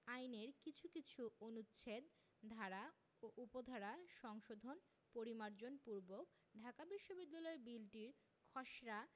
আইনের কিছু কিছু অনুচ্ছেদ ধারা ও উপধারা সংশোধন পরিমার্জন পূর্বক ঢাকা বিশ্ববিদ্যালয় বিলটির খসড়া